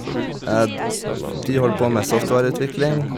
De holder på med softvareutvikling.